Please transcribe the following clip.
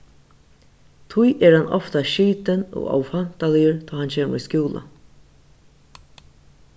tí er hann ofta skitin og ófantaligur tá hann kemur í skúla